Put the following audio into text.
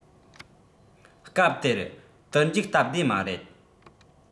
སྐབས དེར དུར འཇུག སྟབས བདེ མ རེད